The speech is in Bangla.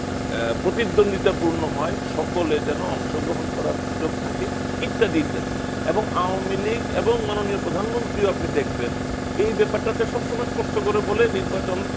প্রতিদ্বন্দ্বিতাপূর্ণ হয় সকলের যেন অংশগ্রহণ করার সুযোগ থাকে ইত্যাদি ইত্যাদি এবং আওয়ামী লীগ এবং মাননীয় প্রধানমন্ত্রী আপনি দেখবেন এই ব্যাপারটিতে সব সময় স্পষ্ট করে বলেন নির্বাচন